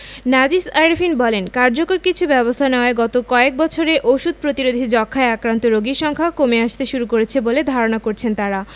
নাজিস আরেফিন বলেন কার্যকর কিছু ব্যবস্থা নেয়ায় গত কয়েক বছরে ওষুধ প্রতিরোধী যক্ষ্মায় আক্রান্ত রোগীর সংখ্যা কমে আসতে শুরু করেছে বলে ধারণা করছেন তারা